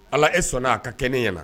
Ala e sɔnna aa ka kɛnɛ ne ɲɛna